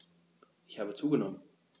Ich habe zugenommen.